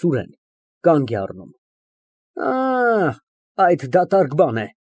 ՍՈՒՐԵՆ ֊ (Կանգ է առնում)։ Ա, այդ դատարկ բան է։